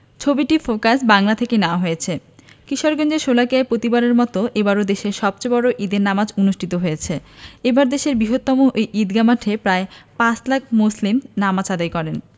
ছবিটি ফোকাস বাংলা থেকে নেয়া হয়েছে কিশোরগঞ্জের শোলাকিয়ায় প্রতিবারের মতো এবারও দেশের সবচেয়ে বড় ঈদের জামাত অনুষ্ঠিত হয়েছে এবার দেশের বৃহত্তম এই ঈদগাহ মাঠে প্রায় পাঁচ লাখ মুসল্লি নামাজ আদায় করেন